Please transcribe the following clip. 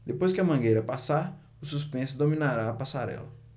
depois que a mangueira passar o suspense dominará a passarela